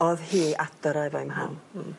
O'dd hi adra efo'i mham. Hmm.